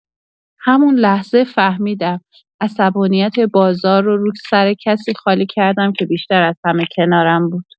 همون لحظه فهمیدم عصبانیت بازار رو سر کسی خالی کردم که بیشتر از همه کنارم بوده.